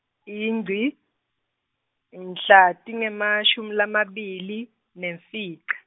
iNgci, mhla tingemashumi lamabili, nemfica.